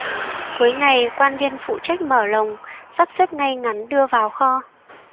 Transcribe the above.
cuối ngày quan viên phụ trách mở lồng sắp xếp ngay ngắn vào đưa vào kho